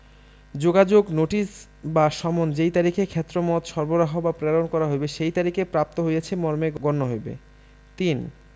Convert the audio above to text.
যোগাযোগ নোটিশ বা সমন যেই তারিখে ক্ষেত্রমত সরবরাহ বা প্রেরণ করা হইবে সেই তারিখে প্রাপ্ত হইয়াছে মর্মে গণ্য হইবে ৩